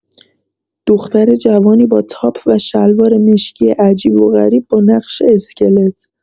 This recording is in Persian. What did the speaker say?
دختر جوانی با تاپ و شلوار مشکی عجیب و غریب با نقش اسکلت